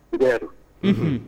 Nba h